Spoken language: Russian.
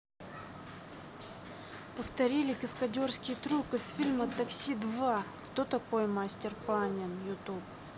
повторили каскадерский трюк из фильма такси два кто такой мастер панин youtube